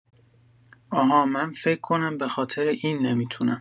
آها من فکر کنم بخاطر این نمی‌تونم